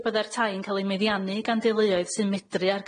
y bydde'r tai'n ca'l ei meddiannu gan deuluoedd sy'n medru ar